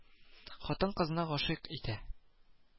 Хатын кызны гашыйк итә